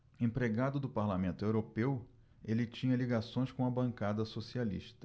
empregado do parlamento europeu ele tinha ligações com a bancada socialista